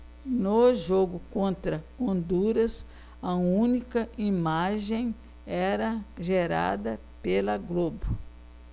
no jogo contra honduras a única imagem era gerada pela globo